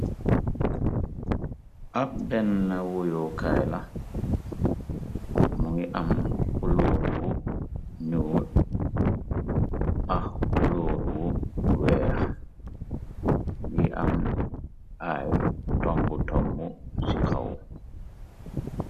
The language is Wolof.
ab ben na wuyokaay la mu ngi am xulooru wu nuul ax xuloor wu weex ngi am aayl tomb tomb ci xaw